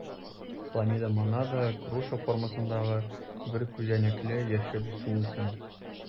Хламидомонада - груша формасындагы бер күзәнәкле яшел суүсем.